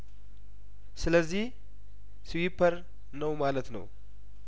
ስለዚህ ስዊፐ ር ነው ማለት ነው